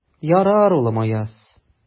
Ярар, улым, Аяз.